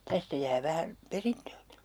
tästä jää vähän perintöäkin